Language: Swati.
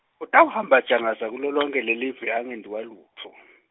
utawuhamba ajangaza kulo lonkhe lelive angentiwa lutfo.